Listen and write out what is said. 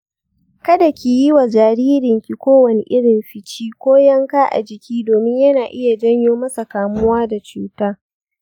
kada ki yi wa jaririnki kowane irin fici ko yanka a jiki domin yana iya janyo masa kamuwa da cuta